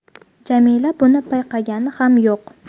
jamila buni payqagani ham yo'q